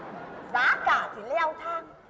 giá cả thì leo thang